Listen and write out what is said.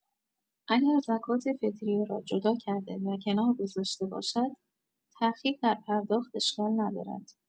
اگر زکات فطریه را جدا کرده و کنار گذاشته باشد، تاخیر در پرداخت اشکال ندارد.